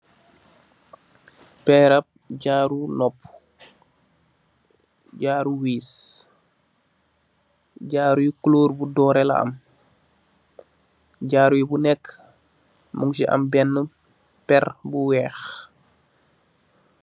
Péér rap jaru nopuh, jaru wiis, jaru yi kulor bu dórèh la am, jaru yi bu nekka mung ci am benna péér bu wèèx.